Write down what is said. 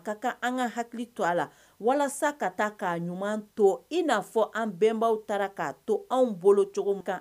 Ka ka an ka hakili to a la walasa ka taa k'a ɲuman to i n'a fɔ an bɛnbaw taara k'a to an bolo cogo kan